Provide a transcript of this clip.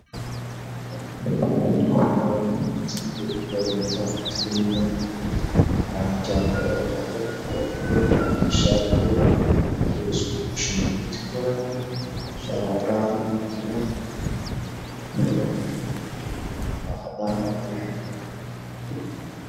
Waa nin waxa uu wataa shaati cadaan ah iyo jaakad madow ah